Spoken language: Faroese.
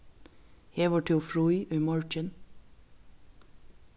hevur tú frí í morgin